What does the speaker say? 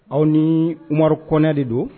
Aw ni kuma kɔnɛ de don